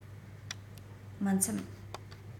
མི འཚམས